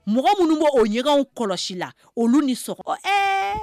Mɔgɔ minnu b bɛ o ɲɛw kɔlɔsi la olu niɔgɔ ɛɛ